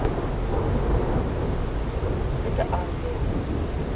это англия